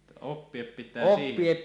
että oppia pitää siihenkin